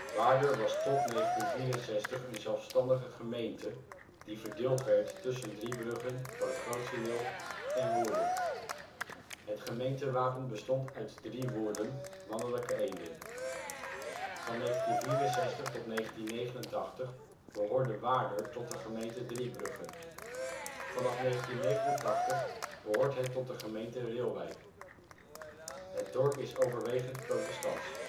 Waarder was tot 1964 een zelfstandige gemeente, die verdeeld werd tussen Driebruggen (grootste deel) en Woerden. Het gemeentewapen bestond uit drie woerden (mannelijke eenden). Van 1964 tot 1989 behoorde Waarder tot de gemeente Driebruggen. Vanaf 1989 behoort het tot de gemeente Reeuwijk. Het dorp is overwegend protestants